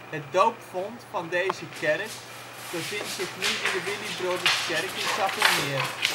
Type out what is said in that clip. Het doopvont van deze kerk bevindt zich nu in de Willibrorduskerk in Sappemeer